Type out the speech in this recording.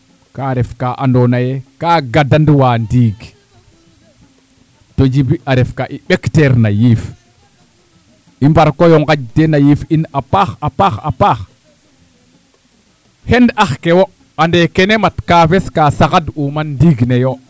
kaa ref ka andoona ye ka gadanwaa ndiig to Djiby a ref ka i ɓekteer na yiif i mbar koy o ngaƴtin a yiif ina paax a paax a paax xen ax ke wo ande kene mat kaafes kaa saxaduma ndiig ne yo